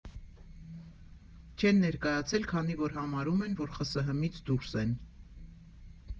Չեն ներկայացել, քանի որ համարում են, որ ԽՍՀՄ֊֊ից դուրս են։